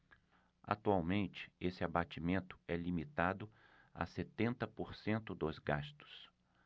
atualmente esse abatimento é limitado a setenta por cento dos gastos